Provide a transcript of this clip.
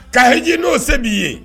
Ka hiji n'o se b'i ye